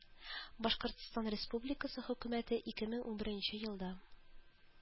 Башкортстан Республикасы Хөкүмәте ике мең униберенче елда